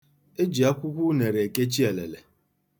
E ji akwụkwọ unere ekechi elele.